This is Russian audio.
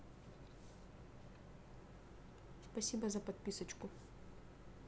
спасибо за подписочку